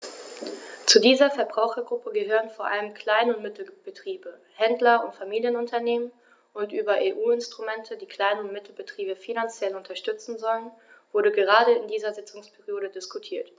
Zu dieser Verbrauchergruppe gehören vor allem Klein- und Mittelbetriebe, Händler und Familienunternehmen, und über EU-Instrumente, die Klein- und Mittelbetriebe finanziell unterstützen sollen, wurde gerade in dieser Sitzungsperiode diskutiert.